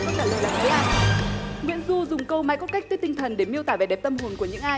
ạ nguyễn du dùng câu mai cốt cách tuyết tinh thần để miêu tả vẻ đẹp tâm hồn của những ai